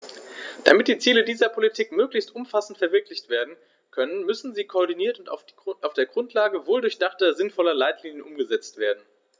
Damit die Ziele dieser Politiken möglichst umfassend verwirklicht werden können, müssen sie koordiniert und auf der Grundlage wohldurchdachter, sinnvoller Leitlinien umgesetzt werden.